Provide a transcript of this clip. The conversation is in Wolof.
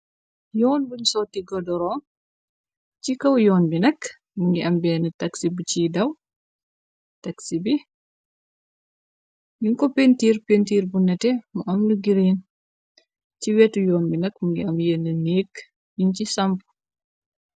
yoon buñ sotti godorong ci kaw yoon bi nak mungi am benn taxi bu ci daw taxi bi ñuñ ko pentiir pentiir bu nate mu amlu gireen ci wetu yoon bi nag mu ngi am yenn néekk yiñ ci samp